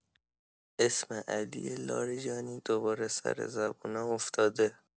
اسم علی لاریجانی دوباره سر زبونا افتاده.